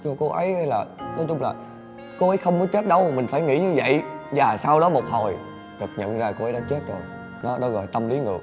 cho cô ấy hay là nói chung là cô ấy không có chết đâu mình phải nghĩ như vậy và sau đó một hồi chợt nhận ra cô ấy đã chết rồi đó nó gọi tâm lý ngược